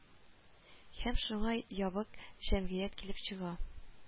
Һәм шуңа ябык җәмгыять килеп чыга